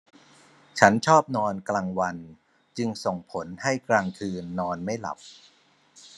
ฉันชอบนอนกลางวันจึงส่งผลให้กลางคืนนอนไม่หลับ